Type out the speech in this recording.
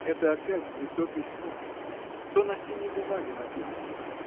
— Это опять не то письмо: то на синей бумаге написано!